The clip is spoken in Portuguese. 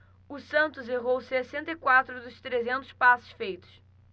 o santos errou sessenta e quatro dos trezentos passes feitos